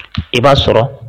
I b'a sɔrɔ